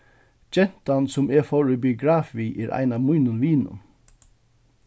gentan sum eg fór í biograf við er ein av mínum vinum